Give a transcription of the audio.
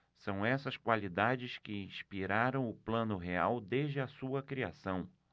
são essas qualidades que inspiraram o plano real desde a sua criação